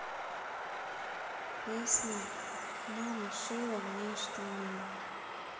песня мама шила мне штаны